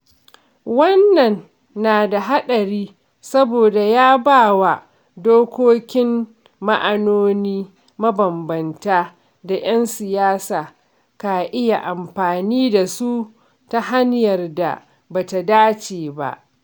Wannan na da haɗari saboda ya ba wa dokokin ma'anoni mabambamta da 'yan siyasa ka iya amfani da su ta hanyar da ba ta dace ba.